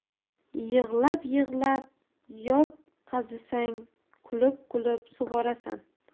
yig'lab yig'lab yop qazisang kulib kulib sug'orasan